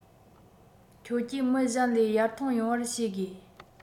ཁྱོད ཀྱིས མི གཞན ལས ཡར ཐོན ཡོང བར བྱ དགོས